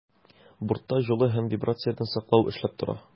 Бортта җылы һәм вибрациядән саклау эшләп тора.